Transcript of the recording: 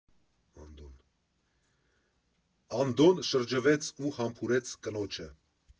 Անդոն շրջվեց ու համբուրեց կնոջը։